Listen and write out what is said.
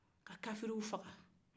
ka kafriw faga